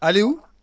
Aliou